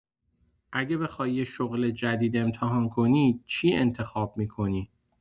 اگه بخوای یه شغل جدید امتحان کنی، چی انتخاب می‌کنی؟